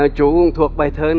chú cũng thuộc bài thơ